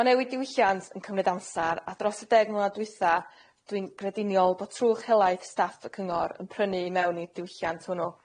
Ma' newid diwylliant yn cymryd amsar a dros y deg mlynedd dwytha dwi'n grediniol bo' trwch helaeth staff y cyngor yn prynu mewn i'r diwylliant hwnnw.